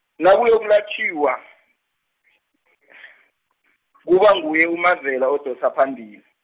nakuyokulayitjhwa , kuba nguye uMavela odosa phambili.